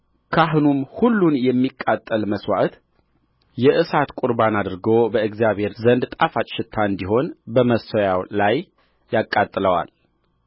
ካህኑም ሁሉን የሚቃጠል መሥዋዕት የእሳት ቍርባን አድርጎ በእግዚአብሔር ዘንድ ጣፋጭ ሽታ እንዲሆን በመሠዊያው ላይ ያቃጥለዋል